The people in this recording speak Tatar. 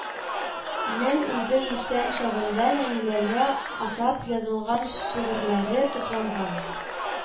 Нең үзе исән чагында нәниләргә атап язылган шигырьләре тупланган